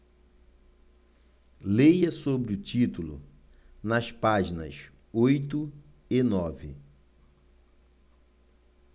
leia sobre o título nas páginas oito e nove